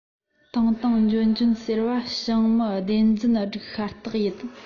བཏང བཏང འཇོན འཇོན ཟེར བ བྱིངས མི བདེན རྫུན སྒྲིག ཤ སྟག ཡིན